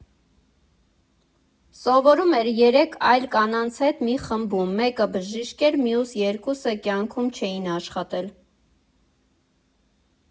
Սովորում էր երեք այլ կանանց հետ մի խմբում՝ մեկը բժիշկ էր, մյուս երկուսը կյանքում չէին աշխատել։